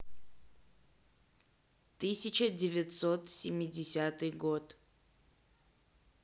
тысяча девятьсот семидесятый год